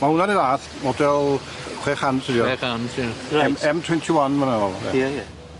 Ma' hwnna 'run fath model chwe chant ydi o? Chwe chant ie. Reit. Em em twenty one de. Ie ie.